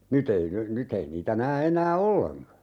nyt ei nyt nyt ei niitä näe enää ollenkaan